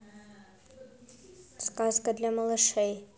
сказка для малышей